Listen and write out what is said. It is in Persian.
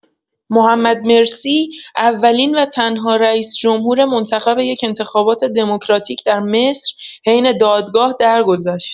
محمد مرسی اولین و تنها ریس جمهور منتخب یک انتخابات دموکراتیک در مصر، حین دادگاه درگذشت.